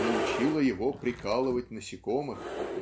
научила его прикалывать насекомых.